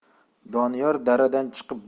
doniyor daradan chiqa